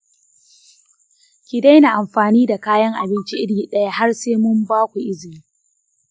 ki daina amfani da kayan abinci iri daya harsai mun baku izini.